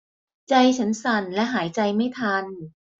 ใจฉันสั่นและหายใจไม่ทัน